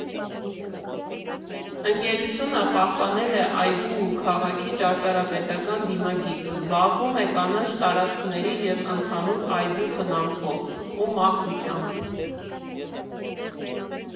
Ընկերությունը պահպանել է այգու ու քաղաքի ճարտարապետական դիմագիծը, զբաղվում է կանաչ տարածքների և ընդհանուր այգու խնամքով ու մաքրությամբ։